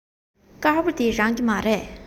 དཀར པོ འདི རང གི མ རེད པས